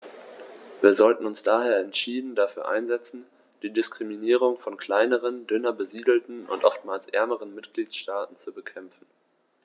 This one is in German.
Wir sollten uns daher entschieden dafür einsetzen, die Diskriminierung von kleineren, dünner besiedelten und oftmals ärmeren Mitgliedstaaten zu bekämpfen.